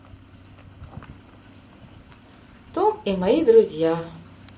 том и мои друзья